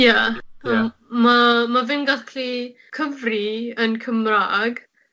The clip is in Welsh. Ie. Ie. Ma' ma' fe'n gallu cyfri yn Cymrag,